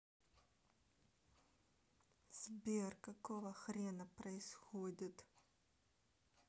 сбер какого хрена происходит